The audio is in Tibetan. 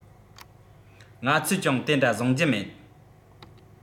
ང ཚོས ཀྱང དེ འདྲ བཟང རྒྱུ མེད